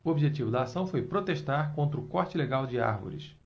o objetivo da ação foi protestar contra o corte ilegal de árvores